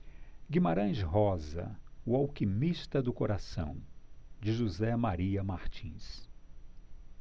guimarães rosa o alquimista do coração de josé maria martins